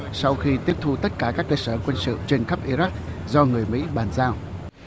sau khi tiếp thu tất cả các cơ sở quân sự trên khắp i rắc do người mỹ bàn giao